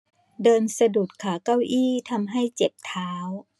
เดินสะดุดขาเก้าอี้ทำให้เจ็บเท้า